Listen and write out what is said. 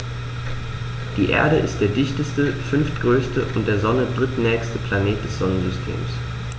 Die Erde ist der dichteste, fünftgrößte und der Sonne drittnächste Planet des Sonnensystems.